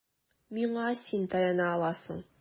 Миңа син таяна аласың.